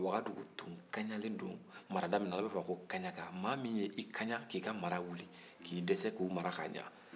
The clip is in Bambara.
wagadu tun kaɲalen don marada min na a bɛ fɔ o de ma ko kaɲaga maa min ye i kaɲa k'i ka mara wuli k'i dɛsɛ k'u mara ka ɲa